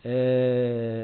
Ɛɛ